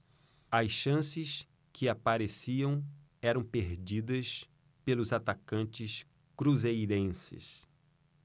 as chances que apareciam eram perdidas pelos atacantes cruzeirenses